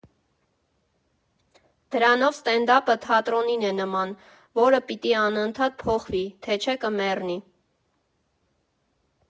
Դրանով ստենդափը թատրոնին է նման, որ պիտի անընդհատ փոխվի, թե չէ կմեռնի։